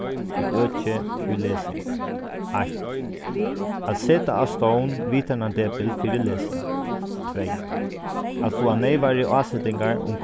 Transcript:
til økið í lesing eitt at seta á stovn vitanardepil fyri lesing tvey at fáa neyvari ásetingar um